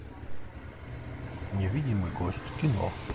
невидимый гость кино